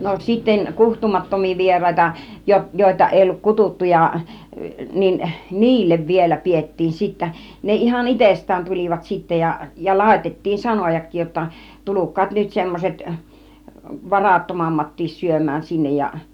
no sitten kutsumattomia vieraita - joita ei ollut kutsuttu ja niin niille vielä pidettiin sitten ne ihan itsestään tulivat sitten ja ja laitettiin sanojakin jotta tulkaa nyt semmoiset varattomammatkin syömään sinne ja